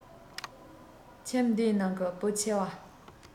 ཁྱིམ འདིའི ནང གི བུ ཆེ བ